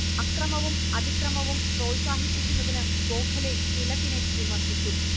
അക്രമവും അതിക്രമവും പ്രോത്സാഹിപ്പിക്കുന്നതിനു ഗോഖലെ തിലകിനെ വിമർശിച്ചു